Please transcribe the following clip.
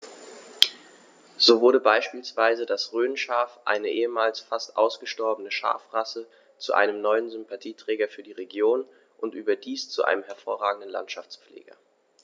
So wurde beispielsweise das Rhönschaf, eine ehemals fast ausgestorbene Schafrasse, zu einem neuen Sympathieträger für die Region – und überdies zu einem hervorragenden Landschaftspfleger.